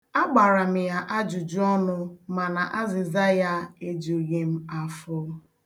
Agbara m ya ajụjụ ọnụ mana azịza ya ejughị m afọ.